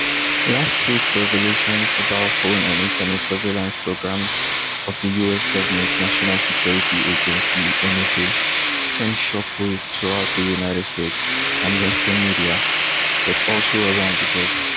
Last week's revelations about phone and Internet surveillance programs of the US government's National Security Agency (NSA) sent shock waves throughout the United States and the western media, but also around the globe.